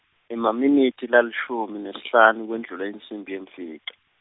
Emaminitsi lalishumi nesihlanu kwendlule insimbi yemfica.